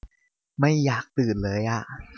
ไม่อยากตื่นเลยอะ